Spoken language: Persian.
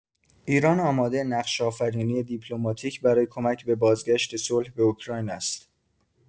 ایران آماده نقش‌آفرینی دیپلماتیک برای کمک به بازگشت صلح به اوکراین است.